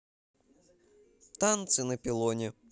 танцы на пилоне